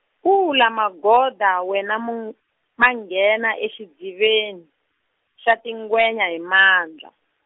kula Magoda wena mo-, manghena exidziveni, xa tingwenya hi mandla.